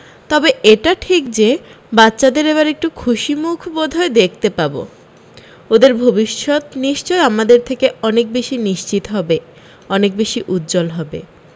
তবে এটা ঠিক যে বাচ্চাদের এবার একটু খুশিমুখ বোধহয় দেখতে পাব ওদের ভবিষ্যত নিশ্চয় আমাদের থেকে অনেক বেশী নিশ্চিত হবে অনেক বেশী উজ্জ্বল হবে